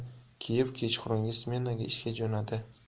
kechqurungi smenaga ishga jo'nadi